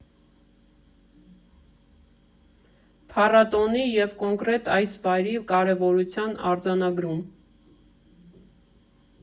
Փառատոնի և կոնկրետ այս վայրի կարևորության արձանագրում.